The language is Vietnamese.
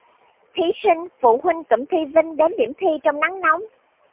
thí sinh phụ huynh cụm thi vinh đến điểm thi trong nắng nóng